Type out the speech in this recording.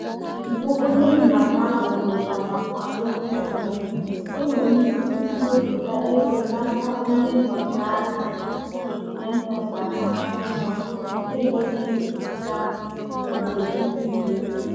Ozugbo onye nnata ahụ nwetara nkwado SMS, e nwere ike iwepụta ego n'aka onye nnọchianya M-PESA kacha nso, nke ga-emejupụta usoro mbufe ego.